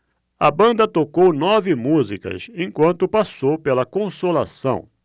a banda tocou nove músicas enquanto passou pela consolação